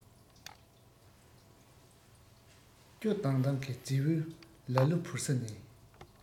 སྐྱོ ལྡང ལྡང གི རྫི བོའི ལ གླུ བོར ས ནས